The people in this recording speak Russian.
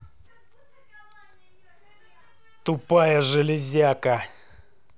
тупая железяка